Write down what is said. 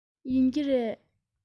ཡིན གྱི རེད